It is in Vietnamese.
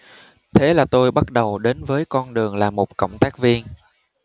thế là tôi bắt đầu đến với con đường là một cộng tác viên